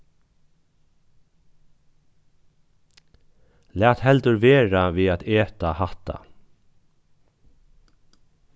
lat heldur vera við at eta hatta